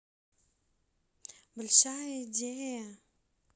большая идея